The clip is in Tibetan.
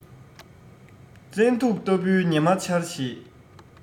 བཙན དུག ལྟ བུའི ཉི མ འཆར ཞེས